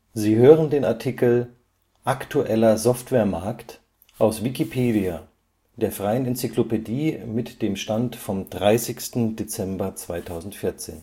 Sie hören den Artikel Aktueller Software Markt, aus Wikipedia, der freien Enzyklopädie. Mit dem Stand vom Der